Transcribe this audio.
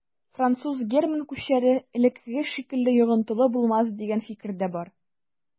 Француз-герман күчәре элеккеге шикелле йогынтылы булмас дигән фикер дә бар.